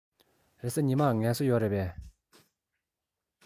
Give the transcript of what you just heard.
རེས གཟའ ཉི མར ངལ གསོ ཡོད རེད པས